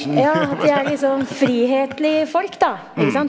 ja, de er liksom frihetlige folk da ikke sant.